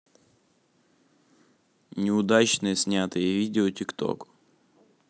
неудачные снятые видео тик ток